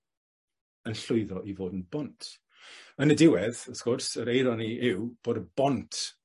yn llwyddo i fod yn bont. Yn y diwedd wrth gwrs yr eironi yw bod y bont